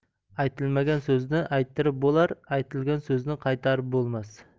aytilmagan so'zni ayttirib bo'lar aytilgan so'zni qaytarib bo'lmas